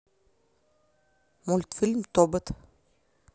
мультфильм тобот